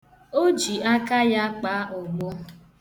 O ji aka ya kpaa ụgbụ.